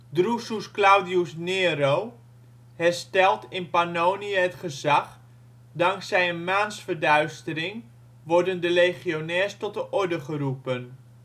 Drusus Claudius Nero hersteld in Pannonië het gezag, dankzij een maansverduistering worden de legionairs tot de orde te geroepen